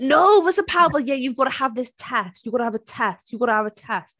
No! Wasn't pawb fel, "Yeah, you've got to have this test. You've got to have a test. You've got to have a test."